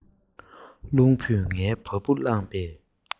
རླུང བུས ངའི བ སྤུ བསླངས པས